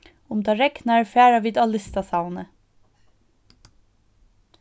um tað regnar fara vit á listasavnið